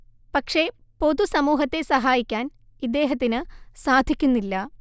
പക്ഷേ പൊതു സമൂഹത്തെ സഹായിക്കാൻ ഇദ്ദേഹത്തിന് സാധിക്കുന്നില്ല